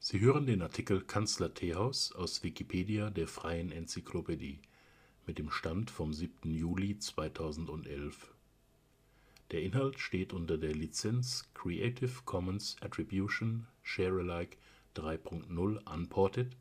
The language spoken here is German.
Sie hören den Artikel Kanzler-Teehaus, aus Wikipedia, der freien Enzyklopädie. Mit dem Stand vom Der Inhalt steht unter der Lizenz Creative Commons Attribution Share Alike 3 Punkt 0 Unported